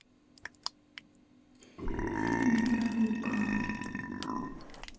фильмы про вулканы